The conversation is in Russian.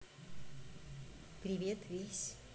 привет весь